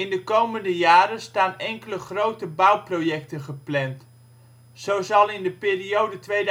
de komende jaren staan enkele grote bouwprojecten gepland. Zo zal in de periode 2010-2020